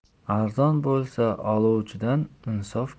arzon bo'lsa oluvchidan insof